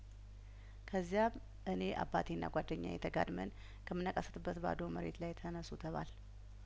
ከዚያም እኔ አባቴና ጓደኛዬ ተጋድመን ከምናቃስትበት ባዶ መሬት ላይ ተነሱ ተባልን